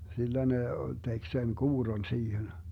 sillä ne teki sen kuurron siihen